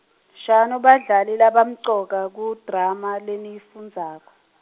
shano badlali labamcoka kudrama leniyifundzako.